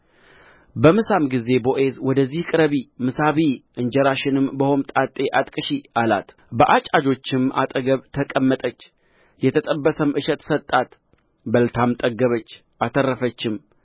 በምሳም ጊዜ ቦዔዝ ወደዚህ ቅረቢ ምሳ ብዪ እንጀራሽንም በሆምጣጤው አጥቅሽ አላት በአጫጆቹም አጠገብ ተቀመጠች የተጠበሰም እሸት ሰጣት በልታም ጠገበች አተረፈችም